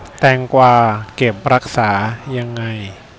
แตงกวาเก็บรักษายังไง